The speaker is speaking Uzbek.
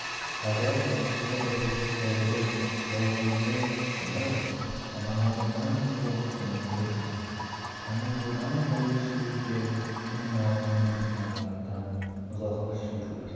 agar boshqa bir yurtdagi tojdorga tushsalar onalaridan yiroqda bo'lurlar amirzodamday suyukli inilarining himoyalaridan uzoqlashurlar